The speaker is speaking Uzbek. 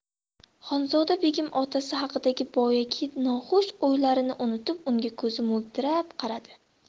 xonzoda begim otasi haqidagi boyagi noxush o'ylarini unutib unga ko'zi mo'ltirab qaradi